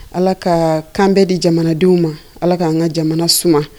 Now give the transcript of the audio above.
Ala ka kanda di jamanadenw ma Ala k'an ka jamana suma